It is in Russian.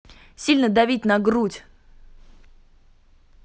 сильно давить на грудь